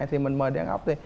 thì mình mời đi ăn ốc thì